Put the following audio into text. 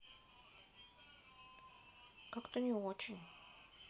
как то не очень